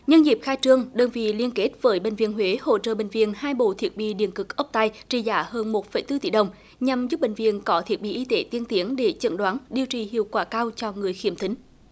nhân dịp khai trương đơn vị liên kết với bệnh viện huế hỗ trợ bệnh viện hai bộ thiết bị điện cực ốc tai trị giá hơn một phẩy tư tỷ đồng nhằm giúp bệnh viện có thiết bị y tế tiên tiến để chẩn đoán điều trị hiệu quả cao cho người khiếm thính